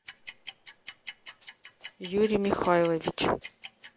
юрий михайлович